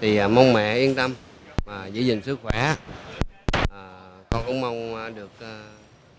thì mong mẹ yên tâm và giữ gìn sức khỏe con cũng mong được